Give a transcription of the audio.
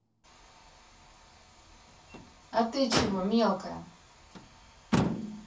а ты чего мелкая